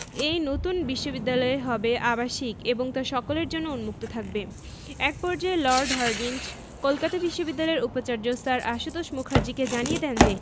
এ নতুন বিশ্ববিদ্যালয় হবে আবাসিক এবং তা সকলের জন্য উন্মুক্ত থাকবে এক পর্যায়ে লর্ড হার্ডিঞ্জ কলকাতা বিশ্ববিদ্যালয়ের উপাচার্য স্যার আশুতোষ মুখার্জীকে জানিয়ে দেন যে